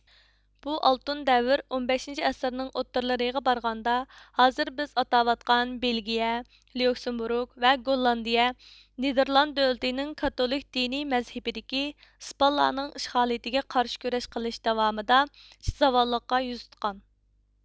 بۇ ئالتۇن دەۋر ئون بەشىنچى ئەسىرنىڭ ئوتتۇرىلىرىغا بارغاندا ھازىر بىز ئاتاۋاتقان بېلگىيە ليۇكسېمبۇرگ ۋە گوللاندىيە نېدېرلاند دۆلىتىنىڭ كاتولىك دىنىي مەزھىپىدىكى ئىسپانلارنىڭ ئىشغالىيىتىگە قارشى كۈرەش قىلىش داۋامىدا زاۋاللىققا يۈز تۇتقان